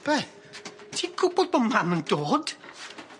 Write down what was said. Be'? Ti'n gwbod bo' mam yn dod.